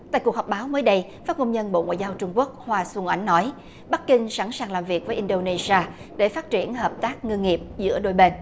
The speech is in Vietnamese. tại cuộc họp báo mới đây phát ngôn nhân bộ ngoại giao trung quốc hoa xuân oánh nói bắc kinh sẵn sàng làm việc với in đô nê xi a để phát triển hợp tác ngư nghiệp giữa đôi bên